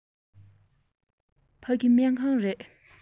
ཕ གི སྨན ཁང རེད